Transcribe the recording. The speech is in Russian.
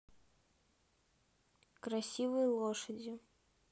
красивые лошади